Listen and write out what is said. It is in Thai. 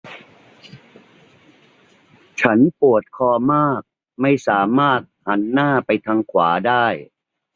ฉันปวดคอมากไม่สามารถหันหน้าไปทางขวาได้